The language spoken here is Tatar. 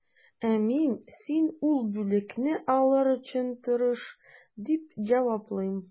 Ә мин, син ул бүләкне алыр өчен тырыш, дип җаваплыйм.